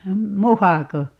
muhako